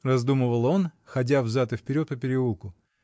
— раздумывал он, ходя взад и вперед по переулку.